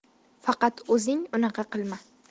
faqat o'zing unaqa qilma